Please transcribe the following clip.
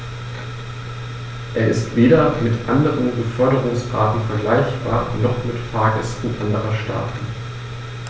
Er ist weder mit anderen Beförderungsarten vergleichbar, noch mit Fahrgästen anderer Staaten.